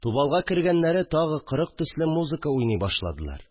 Тубалга кергәннәре тагы кырык төсле музыка уйный башладылар